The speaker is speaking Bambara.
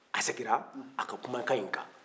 a seginna a ka kumakan in kan